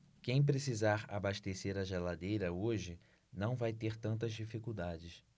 quem precisar abastecer a geladeira hoje não vai ter tantas dificuldades